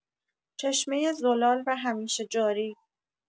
چشمه زلال و همیشه جاری